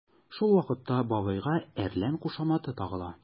Шул вакытта бабайга “әрлән” кушаматы тагыла.